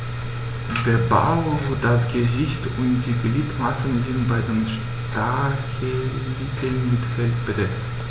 Der Bauch, das Gesicht und die Gliedmaßen sind bei den Stacheligeln mit Fell bedeckt.